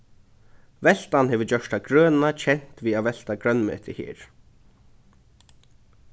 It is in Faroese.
veltan hevur gjørt tað grøna kent við at velta grønmeti her